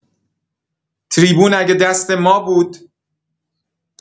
تریبون اگه دست ما بود